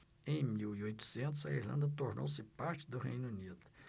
em mil e oitocentos a irlanda tornou-se parte do reino unido